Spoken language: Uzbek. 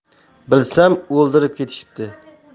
bilsam o'ldirib ketishibdi